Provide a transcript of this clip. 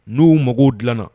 N'u mago dilanna